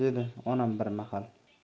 dedi onam bir mahal